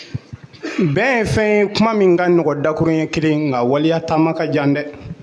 Bɛɛ ye fɛn ye kuma min ka nɔgɔn dakurunɲɛ kelen nka wali taama ka jan dɛ